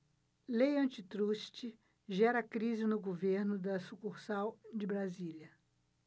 lei antitruste gera crise no governo da sucursal de brasília